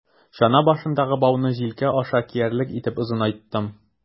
Чана башындагы бауны җилкә аша киярлек итеп озынайттым.